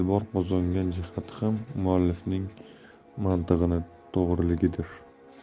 jihati ham muallifning mantig'ini to'g'riligidir